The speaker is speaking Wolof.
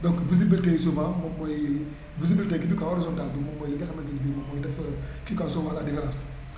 donc visibilité yi souvent moom mooy visibilité gi quoi horizontale bi moom mooy li nga xamante ne bii mooy def kii quoi souvent la différence